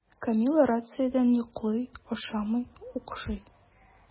Камилла радиациядән йоклый, ашамый, укшый.